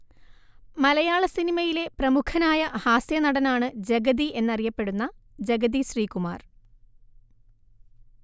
മലയാള സിനിമയിലെ പ്രമുഖനായ ഹാസ്യനടനാണ് ജഗതി എന്നറിയപ്പെടുന്ന ജഗതി ശ്രീകുമാർ